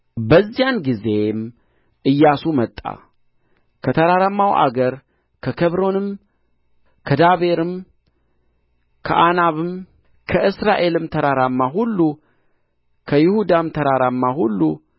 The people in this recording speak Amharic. በዚያን ጊዜም ኢያሱ መጣ ከተራራማውም አገር ከኬብሮንም ከዳቤርም ከአናብም ከእስራኤልም ተራራማ ሁሉ ከይሁዳም ተራራማ ሁሉ